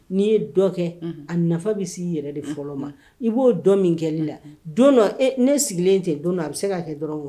N'i ye dɔn kɛ a nafa bɛ se i yɛrɛ de fɔlɔ ma i b'o dɔn min kɛ la don dɔ ne sigilen tɛ don a bɛ se' kɛ dɔrɔn